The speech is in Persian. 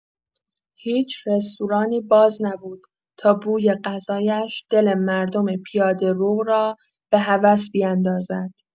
هیچ رستورانی باز نبود تا بوی غذایش دل مردم پیاده‌رو را به هوس بیندازد.